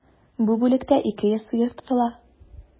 Бу бүлектә 200 сыер тотыла.